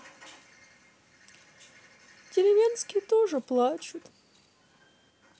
деревенские тоже плачут